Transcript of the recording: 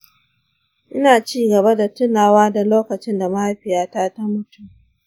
ina ci gaba da tunawa da lokacin da mahaifiyata ta mutu.